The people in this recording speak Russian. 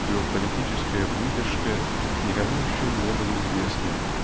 его политическая выдержка никому еще не были известны.